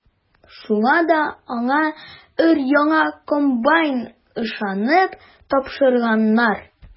Шуңа да аңа өр-яңа комбайн ышанып тапшырганнар.